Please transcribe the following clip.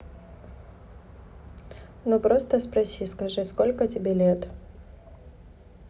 ну просто спроси скажи сколько тебе лет